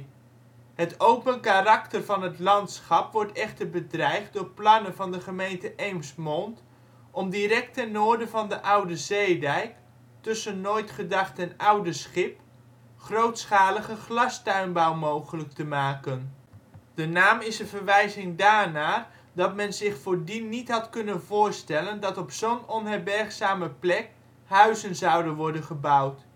open karakter van het landschap wordt echter bedreigd door plannen van de gemeente Eemsmond om direct ten noorden van de oude zeedijk, tussen Nooitgedacht en Oudeschip, grootschalige glastuinbouw mogelijk te maken. De naam is een verwijzing daarnaar, dat men zich voordien niet had kunnen voorstellen dat op zo 'n onherbergzame plek huizen zouden worden gebouwd